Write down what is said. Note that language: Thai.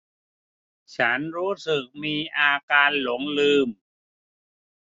ฉันรู้สึกมีอาการหลงลืม